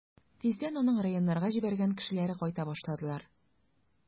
Тиздән аның районнарга җибәргән кешеләре кайта башладылар.